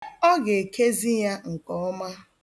Ọ ga-ekezi ya nkeọma.